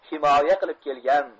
himoya qilib kelgan